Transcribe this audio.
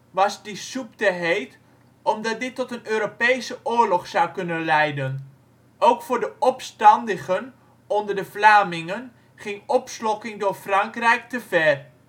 was die soep te heet omdat dit tot een Europese oorlog zou kunnen leiden. Ook voor de opstandigen onder de Vlamingen ging opslokking door Frankrijk te ver